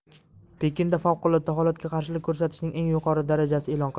pekinda favqulodda holatga qarshilik ko'rsatishning eng yuqori darajasi e'lon qilingan